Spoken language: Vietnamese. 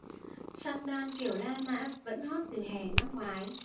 sandal kiểu la mã vẫn hot từ hè năm ngoái